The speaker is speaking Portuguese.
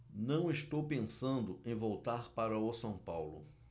não estou pensando em voltar para o são paulo